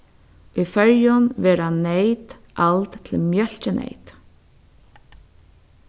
í føroyum verða neyt ald til mjólkineyt